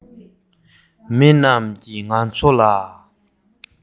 མི རྣམས ཀྱིས ང ཚོ ལ